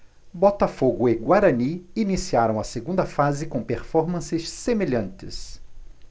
botafogo e guarani iniciaram a segunda fase com performances semelhantes